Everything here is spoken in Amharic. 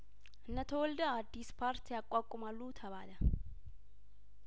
እነተወልደ አዲስ ፓርት ያቋቁማሉ ተባለ